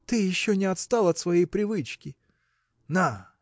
– Ты еще не отстал от своей привычки? На!